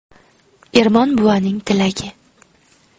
ermon buvaning tilagi